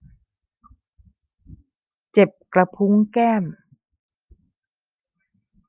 เจ็บกระพุ้งแก้ม